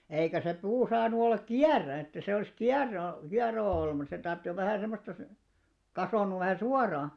eikä se puu saanut olla kierä että se olisi kiero kieroon ollut mutta se tarvitsi jo vähän semmoista kasvanut vähän suoraan